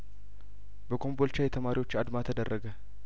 በኮምቦልቻ የተማሪዎች አድማ ተደረገ